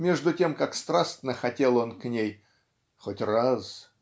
между тем как страстно хотел он к ней "хоть раз